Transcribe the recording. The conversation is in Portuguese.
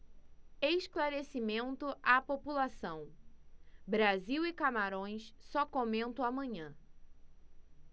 esclarecimento à população brasil e camarões só comento amanhã